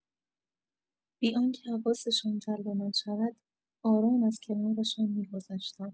بی‌آنکه حواسشان جلب من شود آرام از کنارشان می‌گذشتم.